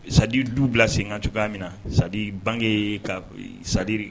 c'est à dire du bila sen kan cogoya min na. C'est à dire bange ka. c'est à dire